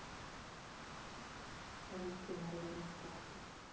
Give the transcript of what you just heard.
русские народные сказки